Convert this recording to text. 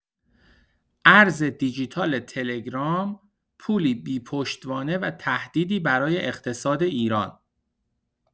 ارز دیجیتال تلگرام، پولی بی‌پشتوانه و تهدیدی برای اقتصاد ایران